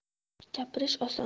gapirish oson